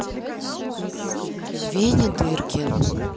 веня дыркин